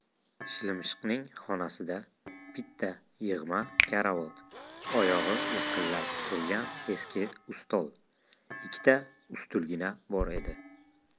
shilimshiqning xonasida bitta yig'ma karavot oyog'i liqillab turgan eski ustol ikkita ustulgina bor edi